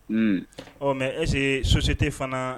Un ɔ mɛ ɛse soste fana